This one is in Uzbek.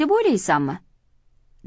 deb o'ylaysanmi